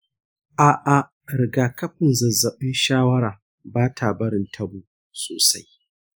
a'a, rigakafin zazzabin shawara ba ta barin tabo sosai.